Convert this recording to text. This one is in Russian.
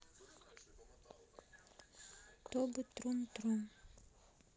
тобот трум трум